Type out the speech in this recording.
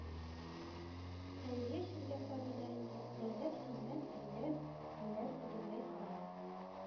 Хәйрия чергән сабыйлар инде дәүләт хезмәт- рендә хәлләр бөтенләй харап